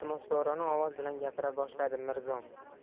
iltimoskorona ovoz bilan gapira boshladi mirzom